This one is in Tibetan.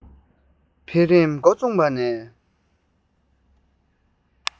འཕེལ རིམ མགོ བཙུགས པ ནས